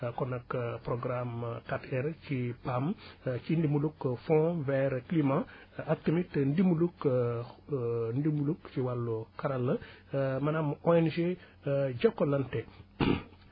kon nag programme 4R ci PAM ci dimbalug fond vers climat ak tamit dimbalug ndimbalug ci wàllu xarala maanaam ONG Jokalante